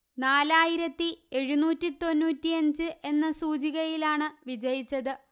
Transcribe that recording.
നാലായിരത്തി എഴുന്നൂറ്റി തൊണ്ണൂറ്റിയഞ്ച് എന്ന സൂചികയിലാണ് വിജയിച്ചത്